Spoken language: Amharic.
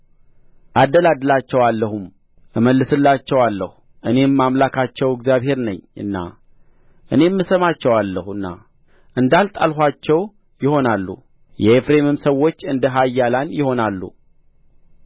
አደላድላቸዋለሁም እመልሳቸዋለሁ እኔም አምላካቸው እግዚአብሔር ነኝና እኔም እሰማቸዋለሁና እንዳልጣልኋቸው ይሆናሉ የኤፍሬምም ሰዎች እንደ ኃያላን ይሆናሉ